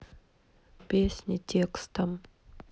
песни текстом